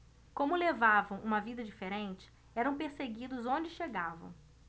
como levavam uma vida diferente eram perseguidos onde chegavam